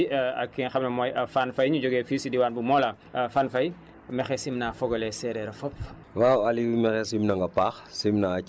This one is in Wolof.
tey nag ñu ngi dalal kii di Dia Sy ak ki nga xam ne mooy Fane Faye ñu jógee fii si diwaan bu Mawla Fane Faye